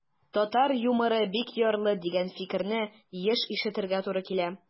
Татар юморы бик ярлы, дигән фикерне еш ишетергә туры килә.